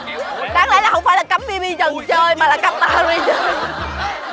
đáng lẽ là hổng phải cấm bi bi trần chơi mà là cặp ba bi bi trần